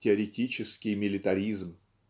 теоретический милитаризм.